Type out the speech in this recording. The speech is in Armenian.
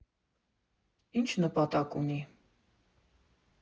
Ինչ նպատակ ունի։